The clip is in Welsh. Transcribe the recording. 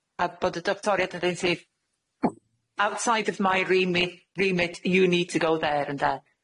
A bod y doctoriad yn deud yn syth, Outside of my remit- remit, you need to go there, ynde?